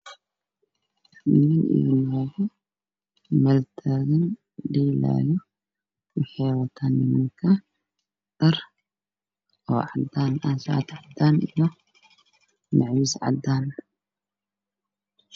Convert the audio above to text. Meeshaan oo meel aroos ah arooska nimanaya dheelayo waxayna wataan caddaalad macmuus ah doona